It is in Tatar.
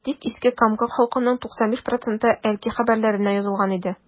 Әйтик, Иске Камка халкының 95 проценты “Әлки хәбәрләре”нә язылган инде.